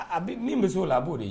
A bɛ min misiw la a b'o de ye